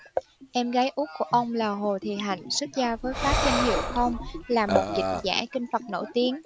em gái út của ông là hồ thị hạnh xuất gia với pháp danh diệu không là một dịch giả kinh phật nổi tiếng